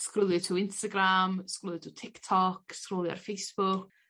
sgrwlio trw Instagram sgrwlio trw Tic Tok sgrolio ar Facebook.